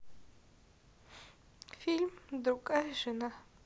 фильм другая жена